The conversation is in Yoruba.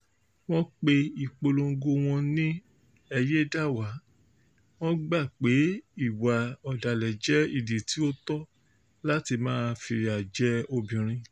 Wọ́n pe ìpolongo wọn ní "Ẹ Yé é Dà Wá", wọ́n gbà pé ìwà ọ̀dàlẹ̀ jẹ́ ìdí tí ó tọ́ láti máa fìyà jẹ obìnrin.